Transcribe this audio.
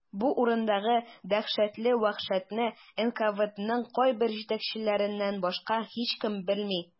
Бу урындагы дәһшәтле вәхшәтне НКВДның кайбер җитәкчеләреннән башка һичкем белми.